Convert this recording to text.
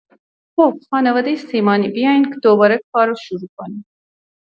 خب خانواده سیمانی، بیاین دوباره کار رو شروع کنیم.